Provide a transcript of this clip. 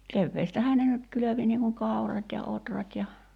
keväästähän ne nyt kylvi niin kuin kaurat ja ohrat ja